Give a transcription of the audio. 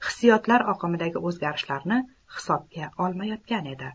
hissiyotlar oqimidagi o'zgarishlarni hisobga olmayotgan edi